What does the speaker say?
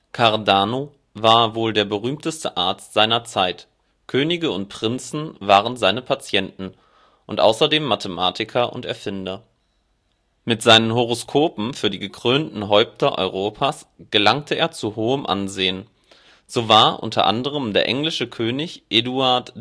Cardano war wohl der berühmteste Arzt seiner Zeit - Könige und Prinzen waren seine Patienten - und außerdem Mathematiker und Erfinder. Mit seinen Horoskopen für die gekrönten Häupter Europas gelangte er zu hohem Ansehen. So war u. a. der englische König Eduard